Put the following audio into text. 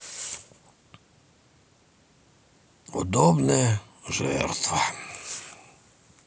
удобная жертва